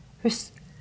hus .